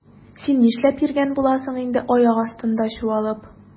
Син нишләп йөргән буласың инде аяк астында чуалып?